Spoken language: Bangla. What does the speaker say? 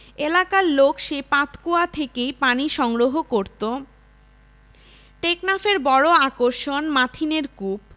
এলাকার লোক সেই পাত কুয়া থেকেই পানি সংগ্রহ করতো টেকনাফের বড় আকর্ষণ মাথিনের কুপ